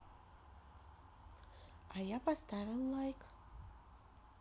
а я поставил лайк